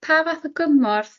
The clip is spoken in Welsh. pa fath o gymorth